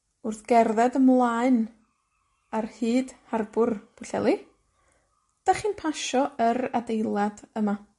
Wrth gerdded ymlaen ar hyd harbwr Pwllheli, 'dych chi'n pasio yr adeilad yma.